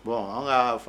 Bon an ka